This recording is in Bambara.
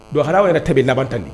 Donana yɛrɛ tɛ bɛ yen laban tan di